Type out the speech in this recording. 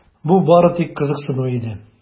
Бу бары тик кызыксыну иде.